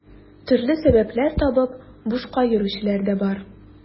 Төрле сәбәпләр табып бушка йөрүчеләр дә бар.